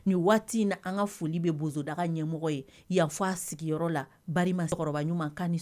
Nin waati in ni an ka foli bɛ boda ɲɛmɔgɔ ye yan fɔ sigiyɔrɔ la ba ɲuman kan